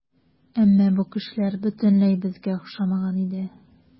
Әмма бу кешеләр бөтенләй безгә охшамаган иде.